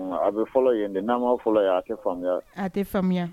A bɛ fɔlɔ yen n'an ma fɔlɔ ye a tɛ faamuyaya a tɛ faamuyaya